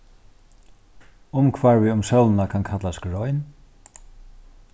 umhvarvið um sólina kann kallast grein